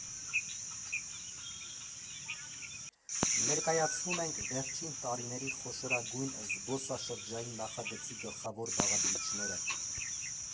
Ներկայացնում ենք վերջին տարիների խոշորագույն զբոսաշրջային նախագծի գլխավոր բաղադրիչները։